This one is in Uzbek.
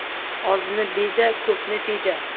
ozni beja ko'pni teja